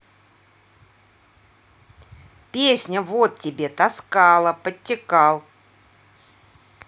песня вот тебе таскала подтекал